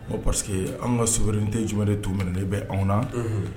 Bon parce que an ka soin tɛ jumɛn de tun minɛen bɛ anw na